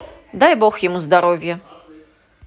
дай бог ему здоровья